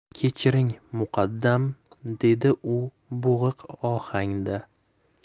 kechiring muqaddam dedi u bo'g'iq ohangda